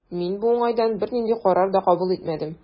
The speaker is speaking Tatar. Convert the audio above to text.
Мин бу уңайдан бернинди карар да кабул итмәдем.